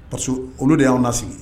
Parce olu de y'aw na sigi